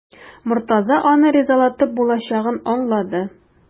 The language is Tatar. Мортаза аны ризалатып булачагын аңлады.